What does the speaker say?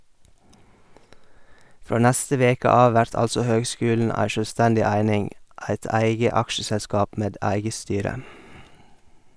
Frå neste veke av vert altså høgskulen ei sjølvstendig eining, eit eige aksjeselskap med eige styre.